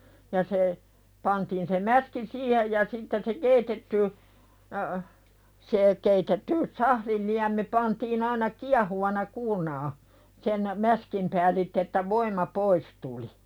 ja se pantiin se mäski siihen ja sitten se keitetty se keitetty sahdin liemi pantiin aina kiehuvana kuurnaan sen mäskin päällitse että voima pois tuli